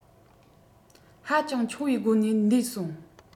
ཧ ཅང ཆུང བའི སྒོ ནས འདས སོང